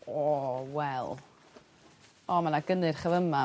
O wel, o ma' 'na gynnyrch y' fa' 'ma...